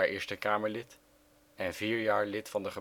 Eerste Kamerlid. Van den